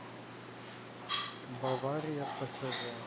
бавария псж